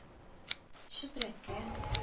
Чүпрәккә